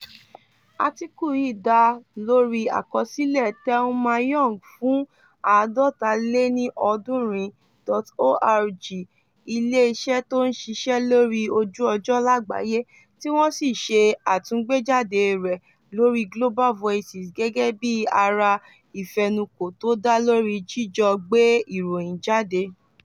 Átíkù yíì dá lórí akọsílẹ̀ Thelma Young fún 350.org, iléeṣẹ́ tó ń ṣiṣẹ́ lóri ojú ọjọ́ làgbàáyé, tí wọ́n sí ṣe àtúngbéjáde rẹ̀ lóri Global Voices gẹ́gẹ́ bi ara ìfẹ́nukò tó dá lórí jíjọ gbé iròyìn jáde.